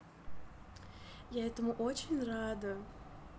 я этому очень рада